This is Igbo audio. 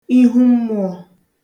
ihu mmụ̄ọ